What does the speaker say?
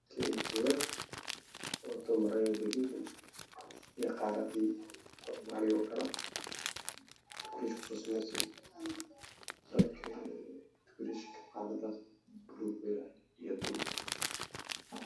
Gabar wadato qaarada somalia oo buluug ah